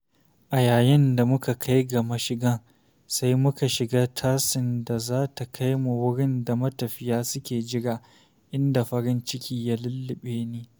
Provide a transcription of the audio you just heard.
A yayin da muka kai ga mashigan, sai muka shiga tasin da za ta kai mu wurin da matafiya suke jira, inda farin ciki ya lulluɓe ni.